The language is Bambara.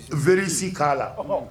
V si k' la